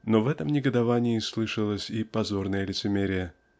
Но в этом негодовании слышалось и позорное лицемерие.